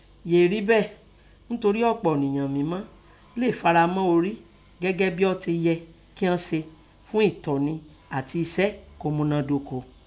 Yèé rí bẹ́ẹ̀ ńtori ọ̀pọ̀ ọ̀niyan mimo lé fara mọ ori gẹ́gẹ́ bín ọ́ tẹ yẹ kían se fun ẹ̀tọ́ni ati esẹ́ kọ́ munadoko